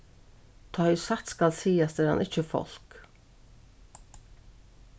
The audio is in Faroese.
tá ið satt skal sigast er hann ikki fólk